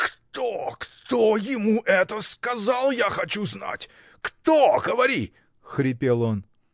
— Кто, кто ему это сказал, я хочу знать? Кто. говори!. — хрипел он.